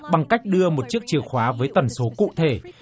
bằng cách đưa một chiếc chìa khóa với tần số cụ thể